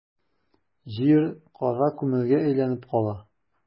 Җир кара күмергә әйләнеп кала.